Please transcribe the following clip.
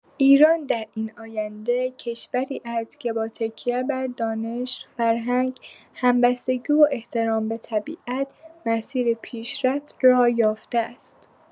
ایران در این آینده، کشوری است که با تکیه بر دانش، فرهنگ، همبستگی و احترام به طبیعت، مسیر پیشرفت را یافته است.